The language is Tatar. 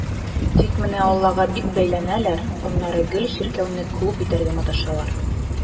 Тик менә аллага бик бәйләнәләр, аннары гел чиркәүне клуб итәргә маташалар.